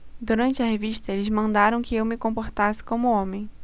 durante a revista eles mandaram que eu me comportasse como homem